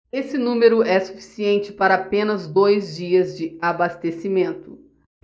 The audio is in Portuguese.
esse número é suficiente para apenas dois dias de abastecimento